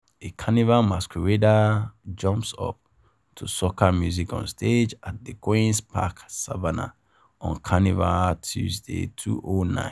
A carnival masquerader “jumps up” to soca music on stage at the Queen's Park Savannah, on Carnival Tuesday, 2009.